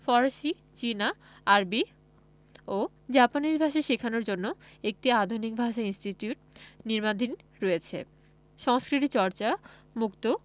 ফরাসি চীনা আরবি ও জাপানি ভাষা শেখানোর জন্য একটি আধুনিক ভাষা ইনস্টিটিউট নির্মাণাধীন রয়েছে সংস্কৃতিচর্চা মুক্ত